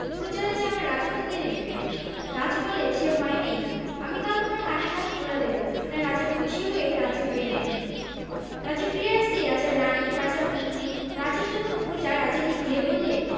প্রজারা যে আমার রাজত্ব কেড়ে নেবে গাছ বলে সে ভয় নেই আমি কাল তোমার কাটা কান জোড়া দেব শুনে রাজা খুশি হয়ে রাজ্যে ফিরলেন রাজা ফিরে আসতেই রাজার রানী রাজার মন্ত্রী রাজার যত প্রজা রাজাকে ঘিরে বললে